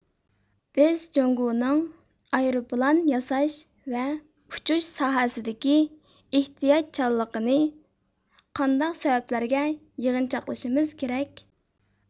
بىز جوڭگونىڭ ئايروپىلان ياساش ۋە ئۇچۇش ساھەسىدىكى ئېھتىياتچانلىقىنى قانداق سەۋەبلەرگە يىغىنچاقلىشىمىز كېرەك